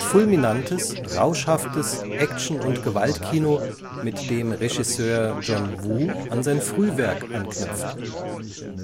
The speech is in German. fulminantes, rauschhaftes Action - und Gewaltkino, mit dem Regisseur John Woo an sein Frühwerk anknüpft.